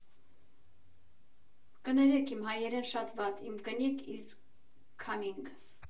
«Կներեք, իմ հայերեն շատ վատ, իմ կնիկ իզ քամինգ»։